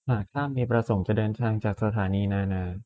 หากข้ามีประสงค์จะเดินทางจากสถานีนานา